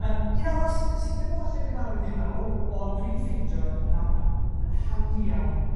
Yym, un aras sydd ddim efalle'n gyfarwydd i bawb ond dwi'n ffeindio'n yn ar- yn yn handi iawn